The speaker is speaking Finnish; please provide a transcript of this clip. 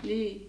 niin